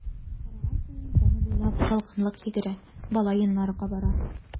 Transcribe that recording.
Караган саен тәне буйлап салкынлык йөгерә, бала йоннары кабара.